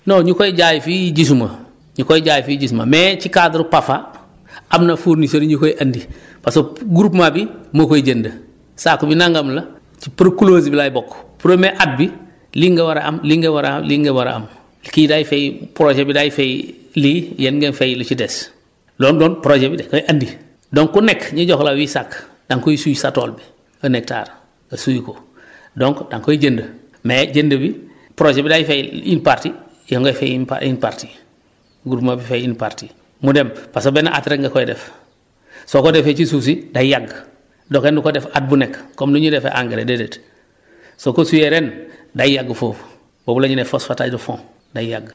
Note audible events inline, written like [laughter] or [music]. non ñu koy jaay fii gisuma énu koy jaay fii gisuma mais ci cadre PAFA am na fournisseurs yi ñu koy andi [breath] parce que groupement bi moo koy jënd saako bi nangam la ci par close bi laay bokk premier at bi lii nga war a am lii nga war a am lii nga war a am kii day fay projet bi day fay [hesitation] lii yéen ngeen fay li ci des loolu doon projet bi da koy andi donc ku nekk énu jox la huit sacs da nga koy suy sa tool bi un hectare nga suy ko donc da nga koy jënd mais jënd bi projet bi day fay une partie yow nga fay une par une partie groupement bi fay une partie mu dem parce que benn at rek nga koy def soo ko defee ci suuf si day yàgg te kenn du ko def at bu nekk comme nu ñuy defee engrais déedéet soo ko suyee ren day yàgg foofu boobu la ñuy ne phosphatage de fond day yàgg